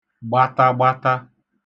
gbatagbata